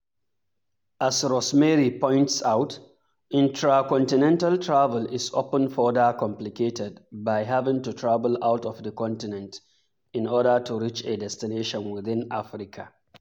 As Rosemary points out, intra-continental travel is often further complicated by having to travel out of the continent in order to reach a destination within Africa.